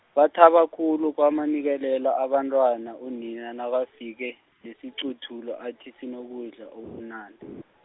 bathaba khulu kwamanikelela abantwana unina nakafika, nesiquthulu athi sinokudla okumnandi.